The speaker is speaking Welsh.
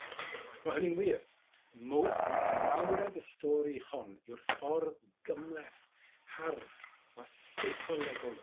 Ac ma' hynny'n wir. Mow- ac m- a mawredd y stori hon yw'r ffordd gymleth hardd a seicolegol